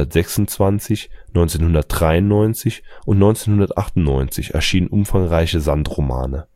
1926, 1993 und 1998 erschienen umfangreichere Sand-Romane